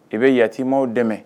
I bɛ yati maaw dɛmɛ